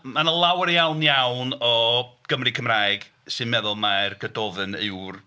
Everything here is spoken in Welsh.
Ma' 'na lawer iawn iawn o Gymryn Cymraeg yn meddwl mai'r Gododdin yw'r...